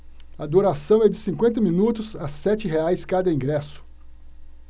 a duração é de cinquenta minutos a sete reais cada ingresso